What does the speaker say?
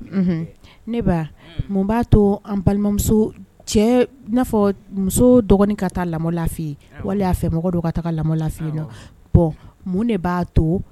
Ne mun b'a to an balimamuso'a fɔ muso dɔgɔnin ka taa lamɔ lafifiye wali y'a fɛ mɔgɔ don ka taa lamɔ lafiye mun de b'a to